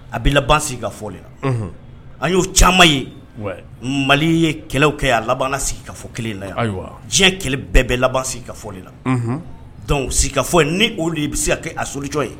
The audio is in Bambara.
A bɛ la laban sigikafɔ de la, unhun, an y'o caaman ye, wɛ, Mali ye kɛlɛw kɛ yan ,a laban sigikafɔ kelen in la yan, ayiwa, diɲɛ kɛlɛ bɛɛ bɛ laban sigikafɔ de la , unhun, donc sigikafɔ ni ole bɛ se ka kɛ a solution ye